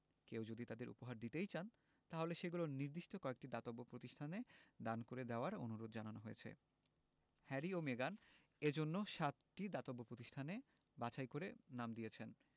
কেউ যদি তাঁদের উপহার দিতেই চান তাহলে সেগুলো নির্দিষ্ট কয়েকটি দাতব্য প্রতিষ্ঠানে দান করে দেওয়ার অনুরোধ জানানো হয়েছে হ্যারি ও মেগান এ জন্য সাতটি দাতব্য প্রতিষ্ঠানে বাছাই করে নাম দিয়েছেন